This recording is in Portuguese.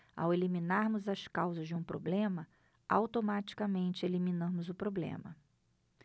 ao eliminarmos as causas de um problema automaticamente eliminamos o problema